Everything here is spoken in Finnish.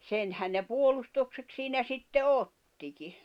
senhän ne puolustukseksi siinä sitten ottikin